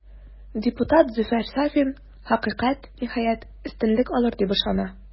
Депутат Зөфәр Сафин, хакыйкать, ниһаять, өстенлек алыр, дип ышана.